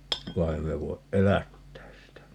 vaan ei me voi elättää sitä